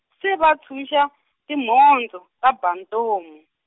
se va ntshunxa, timhondzo ta Bantomu.